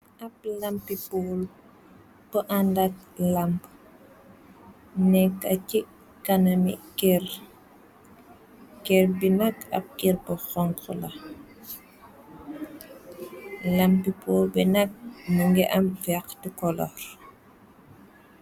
Amb lampipol bou àndak lamp nekkakci kana mi rker bi nak ab ker ba fontla lampipo bi nak mougui am gexte colar.